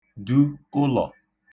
du ụlọ̀